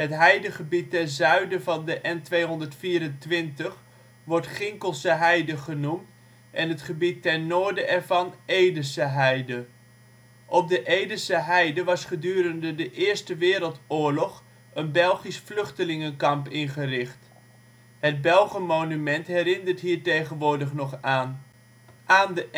heidegebied ten zuiden van de N224 wordt Ginkelse Heide genoemd en het gebied te noorden ervan Edese Heide. Op de Edese Heide was gedurende de Eerste Wereldoorlog een Belgisch vluchtelingenkamp ingericht. Het Belgenmonument herinnert hier tegenwoordig nog aan. Aan de